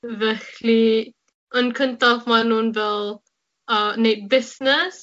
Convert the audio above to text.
Felly, yn cyntaf, ma' nw fel yy neud busnes.